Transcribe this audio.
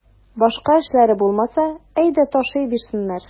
Башка эшләре булмаса, әйдә ташый бирсеннәр.